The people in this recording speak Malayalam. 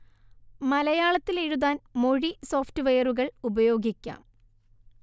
മലയാളത്തിൽ എഴുതാൻ മൊഴി സോഫ്റ്റ്‌വെയറുകൾ ഉപയോഗിക്കാം